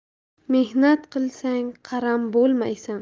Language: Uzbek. mehnat qilsang qaram bo'lmaysan